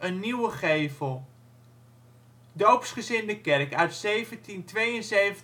nieuwe gevel. Doopsgezinde Kerk uit 1772-1773